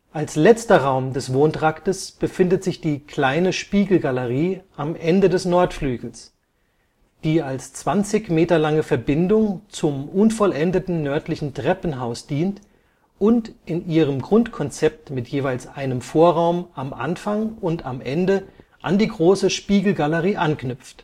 Als letzter Raum des Wohntraktes befindet sich die Kleine Spiegelgalerie am Ende des Nordflügels, die als 20 Meter lange Verbindung zum unvollendeten nördlichen Treppenhaus dient und in ihrem Grundkonzept mit jeweils einem Vorraum am Anfang und am Ende an die Große Spiegelgalerie anknüpft